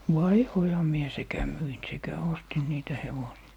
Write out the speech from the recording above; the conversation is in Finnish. vaihdoinhan minä sekä myin sekä ostin niitä hevosia